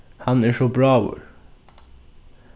hann er so bráður